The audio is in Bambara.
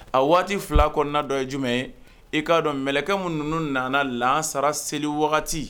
A waati fila kɔnɔnana dɔ ye jumɛn ye e k'a dɔn mkɛ ninnu nana lasara seli